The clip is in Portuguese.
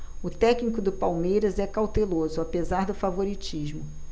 o técnico do palmeiras é cauteloso apesar do favoritismo